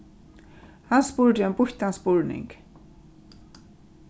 hann spurdi ein býttan spurning